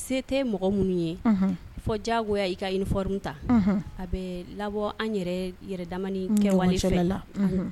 Se tɛ mɔgɔ minnu ye fɔ diyagoya i kafɔrin ta a bɛ labɔ anda kɛwale la